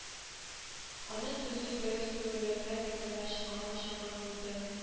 Аны төзү дөрес түгеллеге турында карар чыгарылды